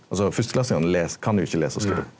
altso førsteklassingane les kan jo ikkje lesa og skriva.